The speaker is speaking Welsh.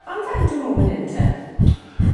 Am faint o'n nw myn 'yn te?